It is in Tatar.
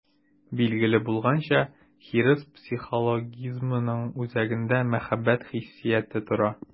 Билгеле булганча, хирыс психологизмының үзәгендә мәхәббәт хиссияте тора.